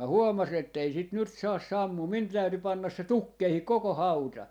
minä huomasin että ei sitä nyt saa sammumaan minun täytyi panna se tukkeisiin koko hauta